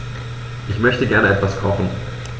Ich möchte gerne etwas kochen.